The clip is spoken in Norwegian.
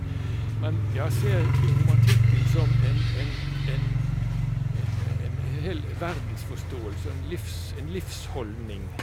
Men jeg ser romantikken som en en en en en en hel verdensforståelse og en livs en livsholdning.